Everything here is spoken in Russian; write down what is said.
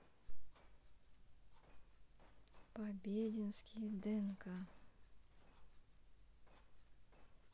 побединский днк